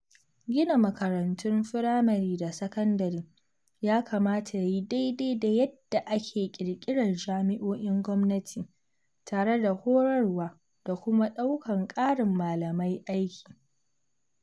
Gina makarantun firamare da sakandare ya kamata ya yi daidai da yadda ake ƙirƙirar jami’o’in gwamnati, tare da horarwa da kuma ɗaukan ƙarin malamai aiki.